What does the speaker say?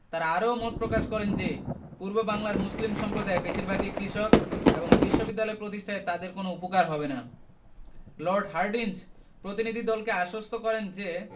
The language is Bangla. তাঁরা আরও মত প্রকাশ করেন যে পূর্ববাংলার মুসলিম সম্প্রদায় বেশির ভাগই কৃষক এবং বিশ্ববিদ্যালয় প্রতিষ্ঠায় তাদের কোনো উপকার হবে না লর্ড হার্ডিঞ্জ প্রতিনিধিদলকে আশ্বস্ত করেন যে